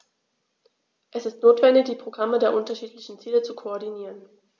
Es ist notwendig, die Programme der unterschiedlichen Ziele zu koordinieren.